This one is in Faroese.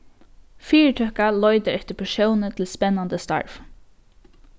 fyritøka leitar eftir persóni til spennandi starv